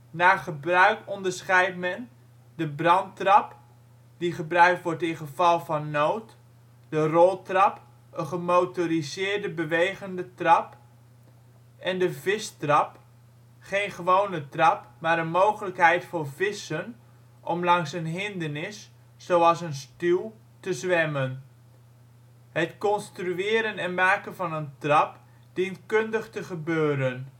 Naar gebruik onderscheidt men: De brandtrap, die gebruikt wordt in geval van nood; De roltrap, een gemotoriseerde, " bewegende " trap; De vistrap, geen gewone trap, maar een mogelijkheid voor vissen om langs een hindernis (zoals een stuw) te zwemmen. Het construeren en maken van een trap dient kundig te gebeuren